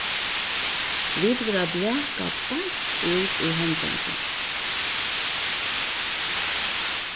vit verða blakað beint út í hendingina